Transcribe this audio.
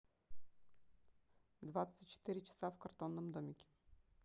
двадцать четыре часа в картонном домике